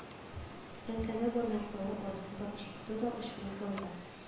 Тәңкәне бармаклары арасында ышкыды да учыма салды